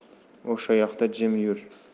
o'sha yoqda jim yur